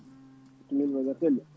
bisimilla aɗa selli